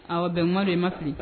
Awɔ Benkuma don i ma fili